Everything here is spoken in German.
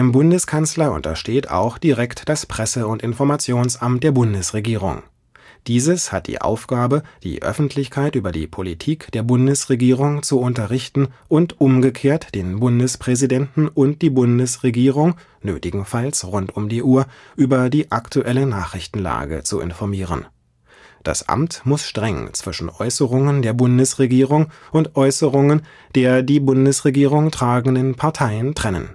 Bundeskanzler untersteht auch direkt das Presse - und Informationsamt der Bundesregierung. Dieses hat die Aufgabe, die Öffentlichkeit über die Politik der Bundesregierung zu unterrichten und umgekehrt den Bundespräsidenten und die Bundesregierung (nötigenfalls rund um die Uhr) über die aktuelle Nachrichtenlage zu informieren. Das Amt muss streng zwischen Äußerungen der Bundesregierung und Äußerungen der die Bundesregierung tragenden Parteien trennen